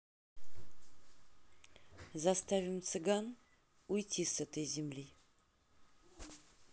заставим цыган уйти с этой земли